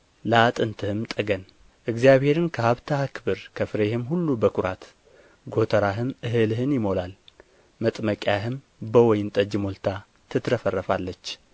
ለአጥንትህም ጠገን እግዚአብሔርን ከሀብትህ አክብር ከፍሬህም ሁሉ በኵራት ጐተራህም እህልን ይሞላል መጥመቂያህም በወይን ጠጅ ሞልታ ትትረፈረፋለች